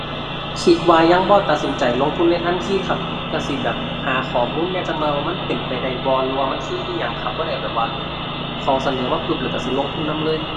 คิดว่ายังบ่ตัดสินใจลงทุนในทันทีครับ ก็สิแบบหาข้อมูลแหน่จักหน่อยว่ามันเป็นไปได้บ่หรือว่ามันคืออิหยังครับ บ่ได้แบบว่าเขาเสนอมาปึ๊บแล้วก็สิลงทุนนำเลย